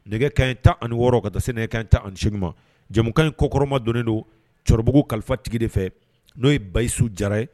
Nɛgɛ ka in tan ani wɔɔrɔ ka taa se nɛgɛ ka tan ani se ma jamukan in kɔkɔrɔma donnen don cɛkɔrɔbabugu kalifa tigi de fɛ n'o ye ba su jara ye